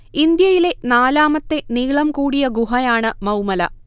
ഇന്ത്യയിലെ നാലാമത്തെ നീളം കൂടിയ ഗുഹയാണ് മൗമല